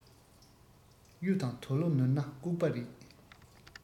གཡུ དང དོ ལོ ནོར ན ལྐུགས པ རེད